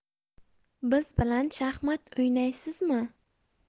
biz bilan shaxmat o'ynaysizmi